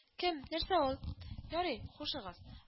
Кем, нәрсә ул? - Ярый, хушыгыз